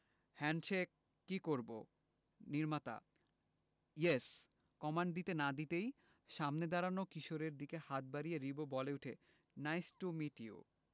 handshake কি করবো নির্মাতা ইয়েস কমান্ড দিতে না দিতেই সামনের দাঁড়ানো কিশোরের দিকে হাত বাড়িয়ে দিয়ে রিবো বলে উঠে নাইস টু মিট ইউ